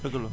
dëgg la